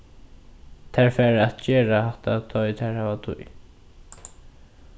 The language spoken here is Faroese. tær fara at gera hatta tá ið tær hava tíð